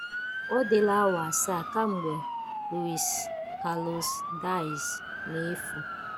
Ọ dịla awa asaa kemgbe Luis Carlos Díaz na-efu.